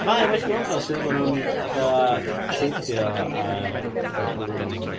Mae o'n wneud chdi wondro sut ma' nhw'n fatha teithio ar fatha brooms nhw.